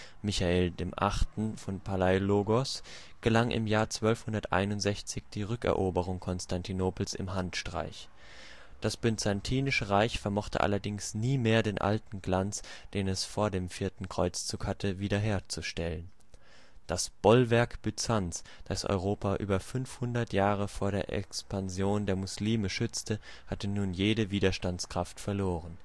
Michael VIII. Palaiologos, gelang im Jahr 1261 die Rückeroberung Konstantinopels im Handstreich. Das Byzantinische Reich vermochte allerdings nie mehr den alten Glanz, den es vor dem Vierten Kreuzzug hatte, wieder herzustellen. Das " Bollwerk " Byzanz, das Europa über 500 Jahre vor der Expansion der Muslime schützte, hatte nun jede Widerstandskraft verloren